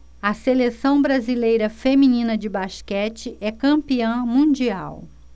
a seleção brasileira feminina de basquete é campeã mundial